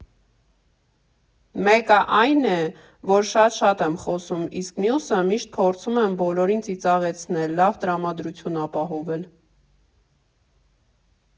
Մեկը այն է, որ շատ֊շատ եմ խոսում, իսկ մյուսը՝ միշտ փորձում եմ բոլորին ծիծաղեցնել, լավ տրամադրություն ապահովել։